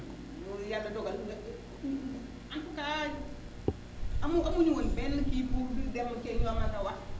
mooy lu yàlla dogal nag en tout cas amul woon benn kii pour di dialogué ak ñoom ak a wax